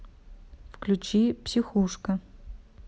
включи психушка